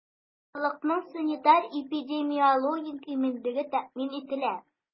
Халыкның санитар-эпидемиологик иминлеге тәэмин ителә.